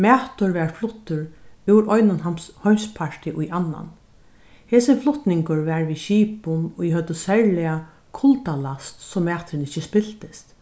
matur varð fluttur úr einum heimsparti í annan hesin flutningur var við skipum ið høvdu serliga kuldalast so maturin ikki spiltist